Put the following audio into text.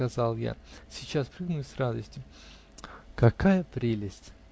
-- сказал я, -- сейчас прыгну, и с радостью. Ах, какая прелесть!